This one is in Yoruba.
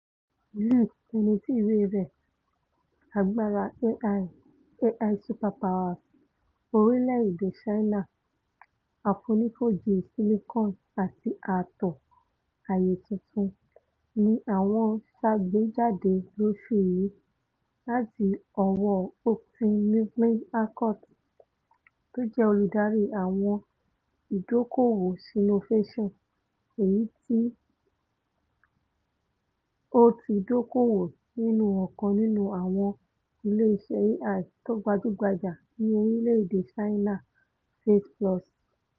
Lee, ẹnití ìwé rẹ̀ ''AI Superpowers”: orílẹ̀-èdè Ṣáínà, Àfonífojì Silikọn àti Ààtò Ayé Tuntun'' ni wọ̀n ṣàgbéjáde lóṣù yìí láti ọwọ́ Houghton Mifflin Harcourt, tójẹ́ Olùdarí Àwọn Ìdókòòwò Sinovàtion, èyití ó ti dókòòwò nínú ọ̀kan nínú àwọn ilé iṣẹ́ AI tó gbajú-gbajà ní orílẹ̀-èdè Ṣáìnà, Face++.